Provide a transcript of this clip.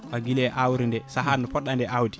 ko guilay awre nde saaha de poɗɗa nde awde